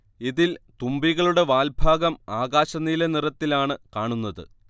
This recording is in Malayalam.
ഇതിൽ തുമ്പികളുടെ വാൽ ഭാഗം ആകാശനീല നിറത്തിലാണ് കാണുന്നത്